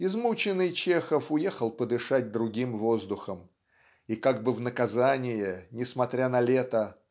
измученный Чехов уехал подышать другим воздухом. И как бы в наказание несмотря на лето